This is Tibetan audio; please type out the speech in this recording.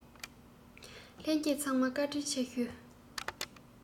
ལྷན རྒྱས ཚང མ བཀའ དྲིན ཆེ ཞུ